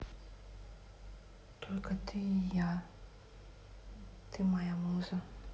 только ты и я ты моя муза